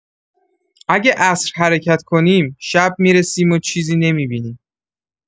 اگه عصر حرکت کنیم، شب می‌رسیم و چیزی نمی‌بینیم.